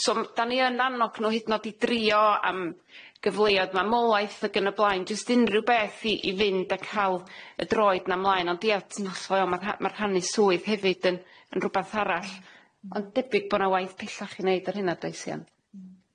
So m- da ni yn annog nw hyd yn o'd i drio am gyfleoedd mamolaeth ag yn y blaen jyst unryw beth i i fynd a ca'l y droed na mlaen ond ia t- ti'n hollol iawn, ma' rhannu swydd hefyd yn yn rwbath arall ond debyg bo' na waith pellach i neud yr hynna does iawn?